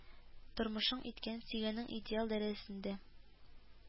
Тормышың иткән, сөйгәнең идеал дәрә әсендә